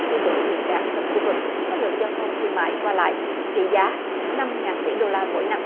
thay đổi hiện trạng trong khu vực có lượng giao thông thương mại qua lại trị giá năm ngàn tỷ đô la mỗi năm